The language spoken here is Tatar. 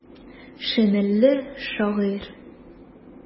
Шинельле шагыйрь.